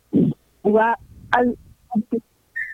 Nka ali